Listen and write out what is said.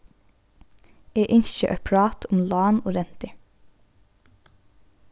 eg ynski eitt prát um lán og rentur